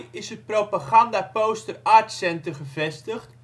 is het Propaganda Poster Art Centre gevestigd